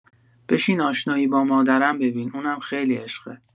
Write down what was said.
بشین آشنایی با مادرم ببین اونم خیلی عشقه